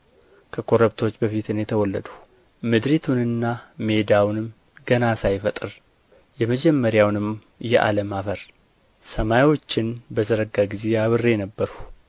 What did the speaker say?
ከኮረብቶች በፊት እኔ ተወለድሁ ምድሪቱንና ሜዳውን ገና ሳይፈጥር የመጀመሪያውን የዓለም አፈር ሰማዮችን በዘረጋ ጊዜ አብሬ ነበርሁ